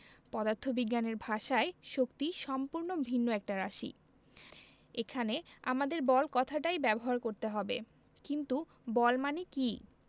পদার্থবিজ্ঞানের ভাষায় শক্তি সম্পূর্ণ ভিন্ন একটা রাশি এখানে আমাদের বল কথাটাই ব্যবহার করতে হবে কিন্তু বল মানে কী